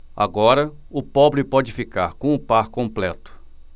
agora o pobre pode ficar com o par completo